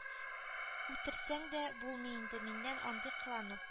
Үтерсәң дә булмый инде миннән андый кылану